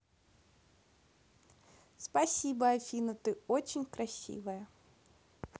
спасибо афина а ты очень красивая